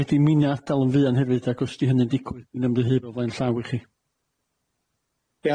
rhaid i minna' ada'l yn fuan hefyd ag os di hynny'n digwydd dwi'n ymddiheuro o flaen llaw i chi.